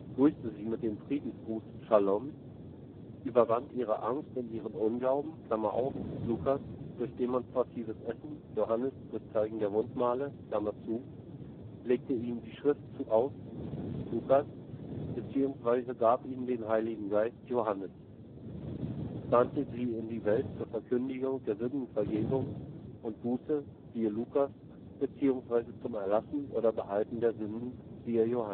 grüßte sie mit dem Friedensgruß „ Schalom “, überwand ihre Angst und ihren Unglauben (Lk: durch demonstratives Essen / Joh: durch Zeigen der Wundmale), legte ihnen die Schrift aus (Lk) bzw. gab ihnen den Heiligen Geist (Joh), sandte sie in die Welt zur Verkündigung der Sündenvergebung und Buße (Lk) bzw. zum Erlassen oder Behalten der Sünden (Joh